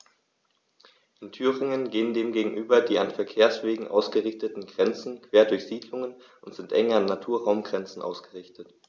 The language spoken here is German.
In Thüringen gehen dem gegenüber die an Verkehrswegen ausgerichteten Grenzen quer durch Siedlungen und sind eng an Naturraumgrenzen ausgerichtet.